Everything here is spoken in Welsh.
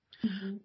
M-hm,